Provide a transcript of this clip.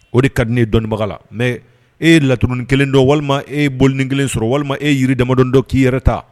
O de ka di ne ye dɔnniibaga la mais e ye laturunin 1 don, walima e ye bɔlinin 1 sɔrɔ, walima e ye yiri damadɔ dɔn k'i yɛrɛ ta!